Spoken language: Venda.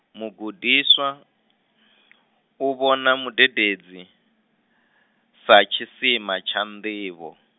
mugudiswa, u vhona mudededzi, sa tshisima tsha nḓivho.